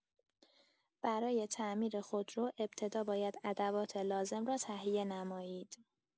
برای تعمیر خودرو، ابتدا باید ادوات لازم را تهیه نمایید.